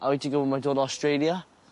A wyt ti'n gwbo mae'n dod o Australia?